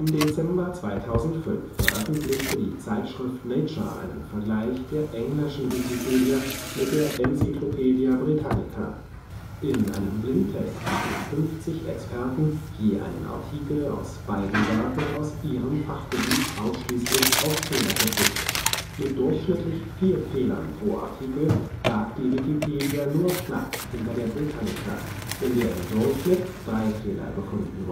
Dezember 2005 veröffentlichte die Zeitschrift Nature einen Vergleich der englischen Wikipedia mit der Encyclopædia Britannica. In einem Blindtest hatten 50 Experten je einen Artikel aus beiden Werken aus ihrem Fachgebiet ausschließlich auf Fehler geprüft. Mit durchschnittlich vier Fehlern pro Artikel lag die Wikipedia nur knapp hinter der Britannica, in der im Durchschnitt drei Fehler gefunden